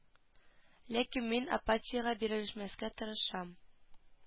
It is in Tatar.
Ләкин мин апатиягә бирелмәскә тырышам